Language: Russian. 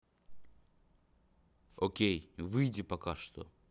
окей выйди пока что